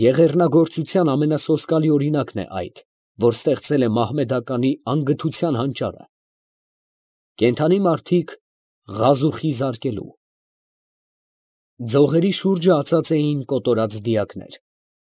Եղեռնագործության ամենասոսկալի օրինակն է այդ, որ ստեղծել է մահմեդականի անգթության հանճարը, ֊ կենդանի մարդիկ ղազուխի զարկելու… Ձողերի շուրջը ածած էին կոտորած դիակներ,